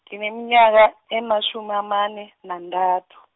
ngineminyaka ematjhumi amane, nantathu.